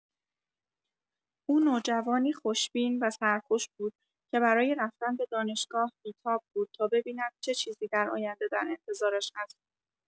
او نوجوانی خوش‌بین و سرخوش بود که برای رفتن به دانشگاه بی‌تاب بود تا ببیند چه چیزی در آینده در انتظارش است.